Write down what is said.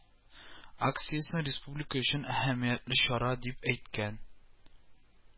Акциясен республика өчен әһәмиятле чара, дип әйткән